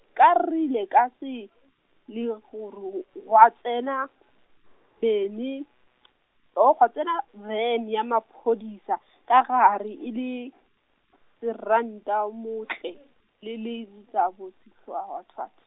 ka rile, ka se , le goro, gwa tsena , bene , oh gwa tsena bene ya maphodisa , ka gare, e le, sersanta Motlae, le le -nstabo- .